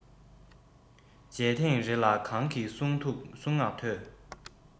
མཇལ ཐེངས རེ ལ གང གི གསུང ངག ཐོས